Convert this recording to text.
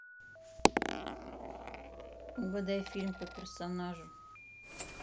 угадай мультфильм по персонажу